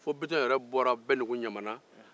bitɔn yɛrɛ bɔra bɛndugu ɲamana